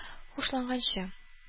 Хушланганчы